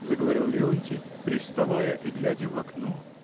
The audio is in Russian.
— заговорил Леонтий, привставая и глядя в окно.